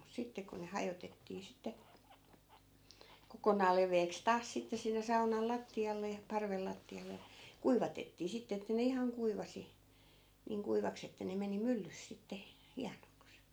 mutta sitten kun ne hajotettiin sitten kokonaan leveäksi taas sitten sinne saunan lattialle ja parven lattialle ja kuivatettiin sitten että ne ihan kuivasi niin kuivaksi että ne meni myllyssä sitten hienoksi